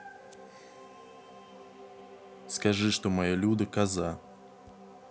скажи что моя люда коза